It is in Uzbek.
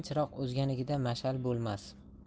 chiroq o'zganikida mash'al bo'lmas